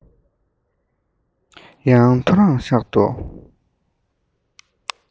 ཡང ཐོག རང ཤག ཏུ